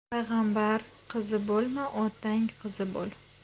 payg'ambar qizi bo'lma otang qizi bo'l